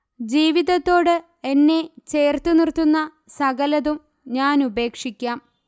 ജീവിതത്തോട് എന്നെ ചേർത്തു നിർത്തുന്ന സകലതും ഞാനുപേക്ഷിക്കാം